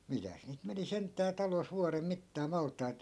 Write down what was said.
mitäs niitä meni sentään talossa vuoden mittaan maltaita